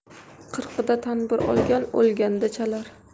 qirqida tanbur olgan o'lganda chalar